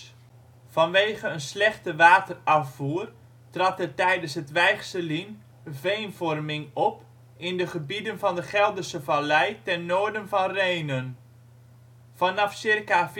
Vanwege een slechte waterafvoer trad er tijdens het Weichselien veenvorming op in de gebieden van de Gelderse Vallei ten noorden van Rhenen. Vanaf circa